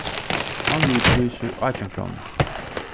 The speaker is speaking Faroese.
vanligur prísur átjan krónur